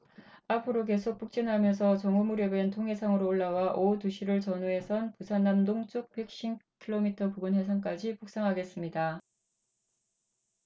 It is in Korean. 앞으로 계속 북진하면서 정오 무렵엔 동해상으로 올라와 오후 두 시를 전후해선 부산 남동쪽 백 쉰 킬로미터 부근 해상까지 북상하겠습니다